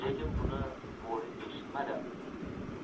lekin buni bo'ri eshitmadi